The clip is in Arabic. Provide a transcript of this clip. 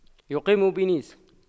يقيم بنيس